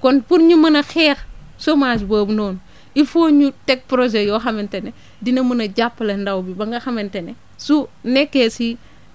kon pour ñu mun a xeex chomage boobu noonu il faut ñu teg projet yoo xamante ne dina mën a jàppale ndaw bi ba nga xamante ne su nekkee si